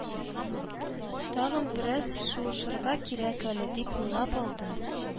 «тагын бераз шуышырга кирәк әле», – дип уйлап алды